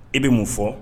I bɛ mun fɔ?